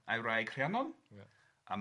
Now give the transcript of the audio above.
A'i wraig Rhiannon... Ia.